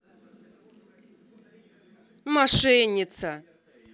мошенница